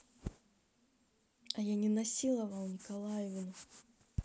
а я не насиловал николаевну